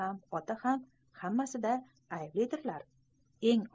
ota ham hammasida ayblidirlar